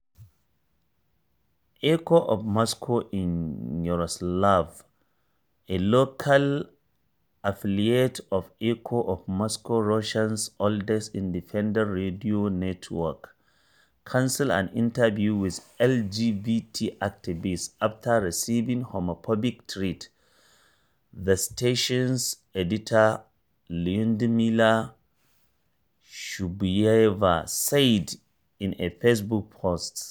Echo of Moscow in Yaroslavl, a local affiliate of Echo of Moscow, Russia’s oldest independent radio network, cancelled an interview with LGBT activists after receiving homophobic threats, the station’s editor Lyudmila Shabuyeva said in a Facebook post: